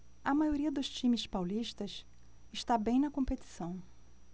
a maioria dos times paulistas está bem na competição